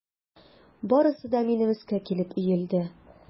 Барысы да минем өскә килеп иелде.